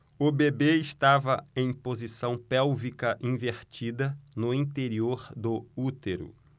o bebê estava em posição pélvica invertida no interior do útero